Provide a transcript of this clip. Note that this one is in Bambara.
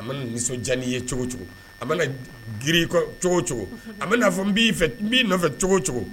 A mana nisɔndiya i kɔrɔ cogo o cogo , a mana grin grin i kɔ cogo o cogo , a mana fɔ n b'i fɛ n b'i nɔfɛ cogo o cogo,